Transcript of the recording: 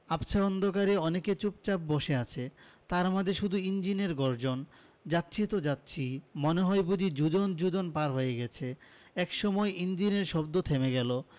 আবছা অন্ধকারে অনেকে চুপচাপ বসে আছে তার মাঝে শুধু ইঞ্জিনের গর্জন যাচ্ছি তো যাচ্ছি মনে হয় বুঝি যোজন যোজন পার হয়ে গেছে একসময় ইঞ্জিনের শব্দ থেমে গেলো